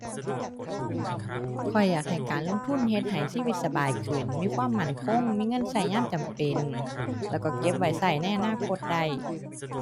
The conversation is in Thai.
ข้อยอยากให้การลงทุนเฮ็ดให้ชีวิตสบายขึ้น มีความมั่นคง มีเงินใช้ยามจำเป็น แล้วใช้เก็บไว้ใช้ในอนาคตได้